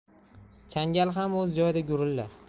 changal ham o'z joyida gurillar